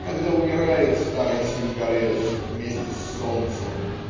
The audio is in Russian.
когда умирает старый сингалез вместе с солнцем